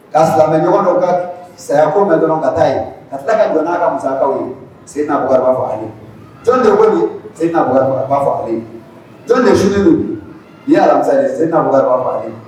Ka silamɛ ɲɔgɔn dɔ ka saya ko mɛn dɔrɔn ka taa ye ka taa ka jɔn' ka masakaw ye seninaraba faga ye de ko sen faga ye de su n ya arami ye senina ye